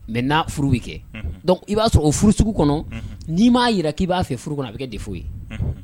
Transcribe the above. Mɛ n na furu bɛ kɛ i b'a sɔrɔ o furu sugu kɔnɔ n'i m'a jira k'i b'a fɛ furu kɔnɔ a bɛ kɛ de foyi ye